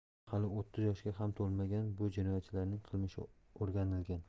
hali o'ttiz yoshga ham to'lmagan bu jinoyatchilarning qilmishi o'rganilgan